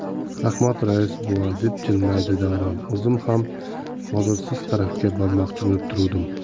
rahmat rais buva deb jilmaydi davron o'zim ham hozir siz tarafga bormoqchi bo'lib turuvdim